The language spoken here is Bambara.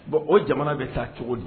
Bon o jamana be taa cogodi